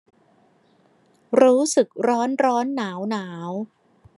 รู้สึกร้อนร้อนหนาวหนาว